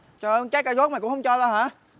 trời ơi trái cà rốt mày cũng không cho tao hả